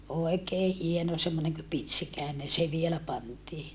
oikein hieno semmoinen kuin pitsikäinen se vielä pantiin